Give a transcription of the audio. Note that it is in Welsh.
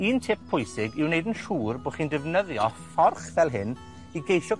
un tip pwysig yw wneud yn siŵr bo' chi'n defnyddio fforch fel hyn i geisio